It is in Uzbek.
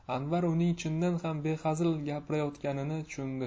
anvar uning chindan ham behazil gapirayotganini tushundi